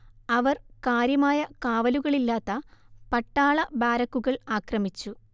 അവർ കാര്യമായ കാവലുകളില്ലാത്ത പട്ടാള ബാരക്കുകൾ ആക്രമിച്ചു